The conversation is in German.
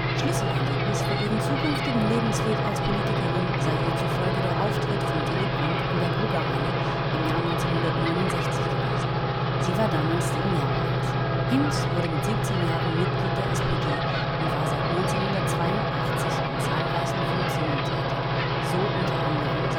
Schlüsselerlebnis für ihren zukünftigen Lebensweg als Politikerin sei ihr zufolge „ der Auftritt von Willy Brandt in der Grugahalle “im Jahr 1969 gewesen. Sie war damals sieben Jahre alt. Hinz wurde mit 17 Jahren Mitglied der SPD und war seit 1982 in zahlreichen Funktionen tätig, so unter anderem